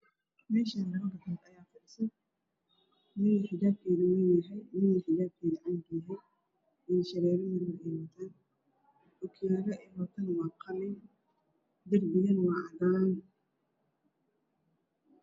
Meeshaan labo naag ayaa fadhisa midna xijaabkeedu waa madow yahay midna xijaabkeedu waa cadaan yahay indho shareero madow ayay wataan. Ookiyaalaha ay wataana waa qalin, darbigana waa cadaan.